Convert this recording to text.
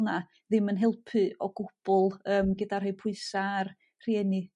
'na ddim yn helpu o gwbwl yym gyda rhoi pwysa' ar rhieni dyddia' 'ma.